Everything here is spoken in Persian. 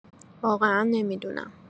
واقعا نمی‌دونم.